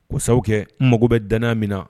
Ko sago kɛ, n mako bɛ danaya min na.